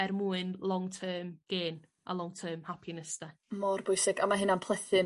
er mwyn long-term gain a long term happiness 'de? Mor bwysig a ma' hynna'n plethu'n